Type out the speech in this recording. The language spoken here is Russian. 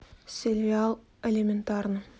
сериал элементарно